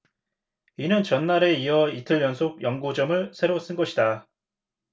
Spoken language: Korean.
이는 전날에 이어 이틀 연속 연고점을 새로 쓴 것이다